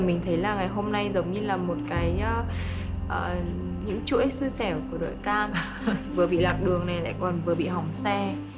mình thấy là ngày hôm nay giống như là một cái ờ những chuỗi xui xẻo của đội cam vừa bị lạc đường này lại còn vừa bị hỏng xe